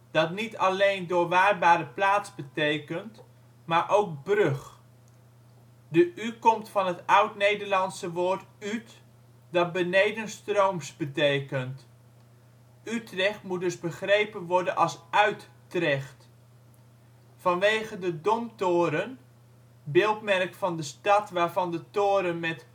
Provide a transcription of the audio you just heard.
dat niet alleen " doorwaadbare plaats " betekent, maar ook " brug ". De ' U ' komt van het Oudnederlandse woord uut, dat ' benedenstrooms ' betekent - Utrecht moet dus begrepen worden als ' uit-Trecht '. Vanwege de Domtoren, beeldmerk van de stad waarvan de toren met